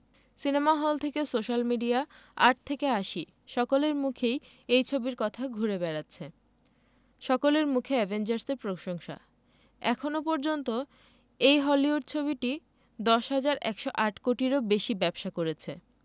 cinema hall থেকে social media আট থেকে আশি সকলের মুখেই এই ছবির কথা ঘুরে বেড়াচ্ছে সকলের মুখে অ্যাভেঞ্জার্স এর প্রশংসা এখনও পর্যন্ত এই হলিউড ছবিটি ১০১০৮ কোটিরও বেশি ব্যবসা করেছে